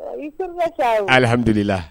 Alihamdulila